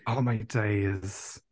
Oh my days.